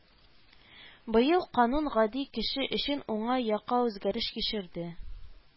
Быел канун гади кеше өчен уңай якка үзгәреш кичерде